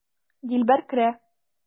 Дилбәр керә.